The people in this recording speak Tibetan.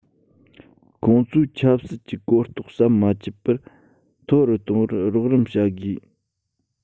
ཁོང ཚོའི ཆབ སྲིད ཀྱི གོ རྟོགས ཟམ མ ཆད པར མཐོ རུ གཏོང བར རོགས རམ བྱ དགོས